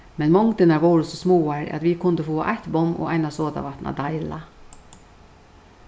men mongdirnar vóru so smáar at vit kundu fáa eitt bomm og eina sodavatn at deila